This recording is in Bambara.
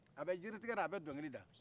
a bɛ jiritigɛ la a bɛ dɔnkili da